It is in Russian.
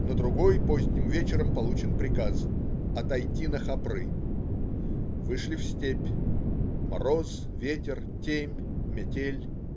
На другой, поздним вечером, получен приказ: отойти на Хопры. Вышли в степь. Мороз, ветер, темь, метель.